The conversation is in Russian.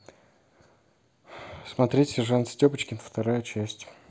смотреть сержант степочкин вторая часть